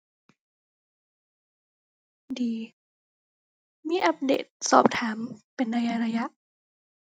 ดี มีอัปเดตสอบถามเป็นระยะระยะ